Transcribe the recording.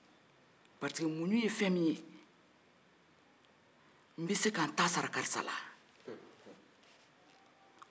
muɲu ye fɛn min ye n be se ka n ta sara karisa la